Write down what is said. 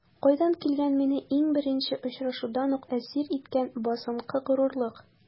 Кайдан килгән мине иң беренче очрашулардан үк әсир иткән басынкы горурлык?